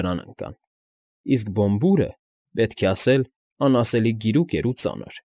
Վրան ընկան, իսկ Բոմբուրը, պետք է ասել, անասելի գիրուկ էր ու ծանր։